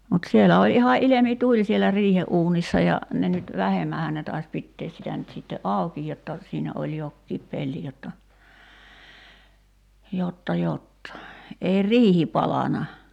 mutta siellä oli ihan ilmituli siellä riihenuunissa ja ne nyt vähemmänhän ne taisi pitää sitä nyt sitten auki jotta siinä oli jokin pelti jotta jotta jotta ei riihi palanut